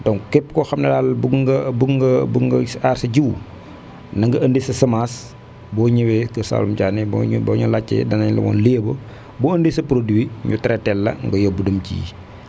donc képp koo xam ne daal bëgg nga bëgg nga bëgg nga aar sa jiwu na nga indi sa semence boo ñëwee Kër Saalum Diané boo ñëw boo ñëwee laajte danañ la wan lieu ba boo indee sa produit ñu traité teel la nga yóbbu dem jiyi